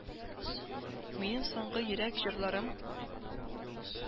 Минем соңгы йөрәк җырларым.